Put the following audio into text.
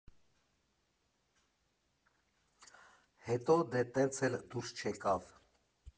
Հետո դե տենց էլ դուրս չեկավ։